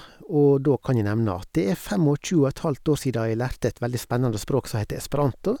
Og da kan jeg nevne at det er fem og tjue og et halvt år sia jeg lærte et veldig spennende språk som heter esperanto.